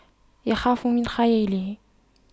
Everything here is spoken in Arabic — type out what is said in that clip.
يخاف من خياله